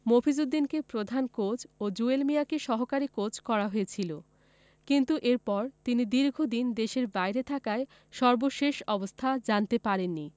মফিজ উদ্দিনকে প্রধান কোচ ও জুয়েল মিয়াকে সহকারী কোচ করা হয়েছিল কিন্তু এরপর তিনি দীর্ঘদিন দেশের বাইরে থাকায় সর্বশেষ অবস্থা জানতে পারেননি